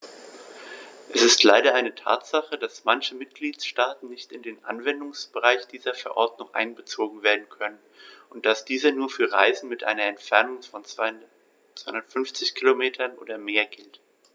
Es ist leider eine Tatsache, dass manche Mitgliedstaaten nicht in den Anwendungsbereich dieser Verordnung einbezogen werden können und dass diese nur für Reisen mit einer Entfernung von 250 km oder mehr gilt.